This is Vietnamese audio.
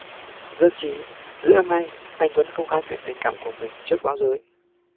dân trí giữa năm nay anh tuấn công khai chuyện tình cảm của mình trước báo giới